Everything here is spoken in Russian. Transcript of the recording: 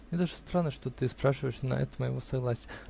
Мне даже странно, что ты спрашиваешь на это моего согласия.